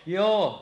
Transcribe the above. joo